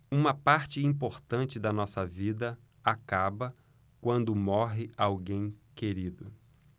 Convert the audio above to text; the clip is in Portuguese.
uma parte importante da nossa vida acaba quando morre alguém querido